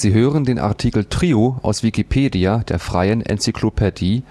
hören den Artikel Trio (Band), aus Wikipedia, der freien Enzyklopädie